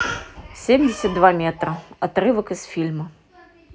семьдесят два метра отрывок из фильма